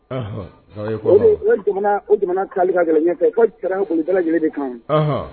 Jamanali ka gɛlɛnfɛ ka lajɛlen de kan